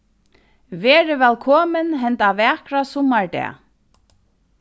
verið vælkomin henda vakra summardag